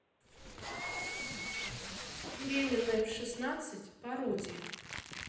беременная в шестнадцать пародия